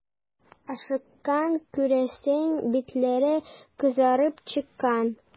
Ашыккан, күрәсең, битләре кызарып чыккан.